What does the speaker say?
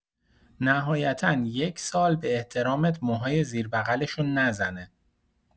نهایتا یک سال به احترامت موهای زیر بغلشو نزنه.